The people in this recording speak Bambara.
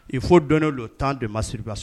I fo dɔnnen don tan don masiriba sa